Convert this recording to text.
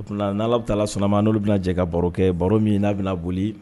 O tuma n'a bɛ taala sɔnnama n'olu bɛna na ka baro kɛ baro min n'a bɛna boli